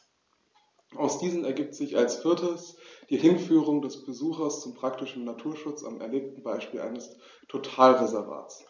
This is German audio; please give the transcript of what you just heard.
Aus diesen ergibt sich als viertes die Hinführung des Besuchers zum praktischen Naturschutz am erlebten Beispiel eines Totalreservats.